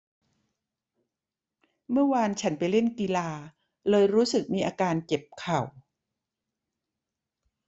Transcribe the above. เมื่อวานฉันไปเล่นกีฬาเลยรู้สึกมีอาการเจ็บเข่า